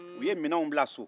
u ye minɛnw bila so